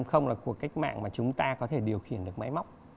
không là cuộc cách mạng mà chúng ta có thể điều khiển được máy móc